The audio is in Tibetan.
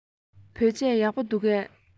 བོད ཆས ཡག པོ འདུག གས